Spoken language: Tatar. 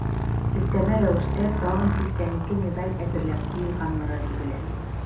Өстәмә рәвештә тагын 82 медаль әзерләп куелганлыгы билгеле.